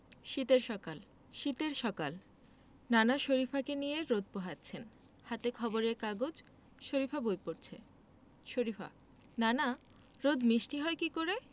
শীতের সকাল শীতের সকাল নানা শরিফাকে নিয়ে রোদ পোহাচ্ছেন হাতে খবরের কাগজ শরিফা বই পড়ছে শরিফা নানা রোদ মিষ্টি হয় কী করে